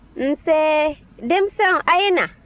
nse denmisɛnw a ye na